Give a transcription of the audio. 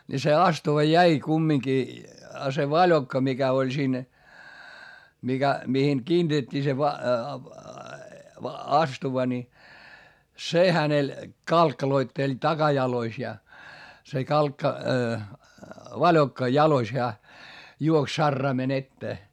niin se astuva jäi kumminkin ja se valokka mikä oli siinä mikä mihin kiinnitettiin se - astuva niin se hänellä kalkkaloitteli takajaloissa ja se - valokka jaloissa hän juoksi saraimen eteen